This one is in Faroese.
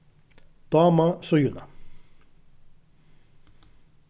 dáma síðuna